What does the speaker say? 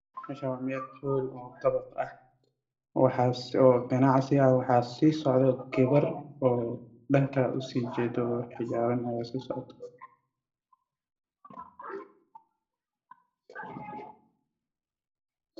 Meeshan oo meel hool ah oo ganacsi ah waxaa mid walba ku hirgalin boor waxaa sii socota gabar wadata xijaabo